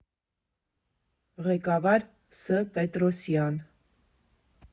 Ղեկավար Ս. Պետրոսյան։